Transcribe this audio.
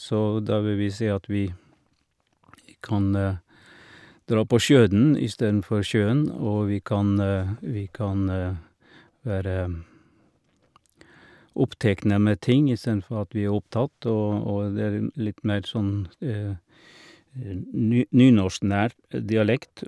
Så da vil vi si at vi vi kan dra på sjøen istedenfor sjøen, og vi kan vi kan være opptekne med ting istedenfor at vi er opptatt, og og det er en litt mer sånn n ny nynorsknær dialekt.